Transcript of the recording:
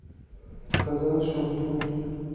сказал шампунь